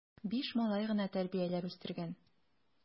Биш малай гына тәрбияләп үстергән!